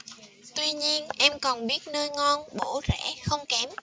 tuy nhiên em còn biết nơi ngon bổ rẻ không kém